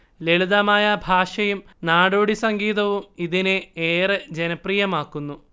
ലളിതമായ ഭാഷയും നാടോടി സംഗീതവും ഇതിനെ ഏറെ ജനപ്രിയമാക്കുന്നു